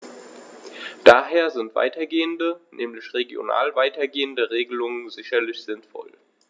Daher sind weitergehende, nämlich regional weitergehende Regelungen sicherlich sinnvoll.